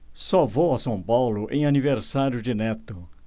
só vou a são paulo em aniversário de neto